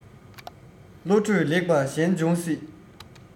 བློ གྲོས ལེགས པ གཞན འབྱུང སྲིད